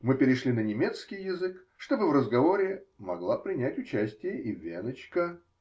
Мы перешли на немецкий язык, чтобы в разговоре могла принять участие и веночка.